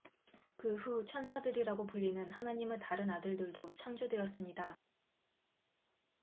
그 후 천사들이라고 불리는 하느님의 다른 아들들도 창조되었습니다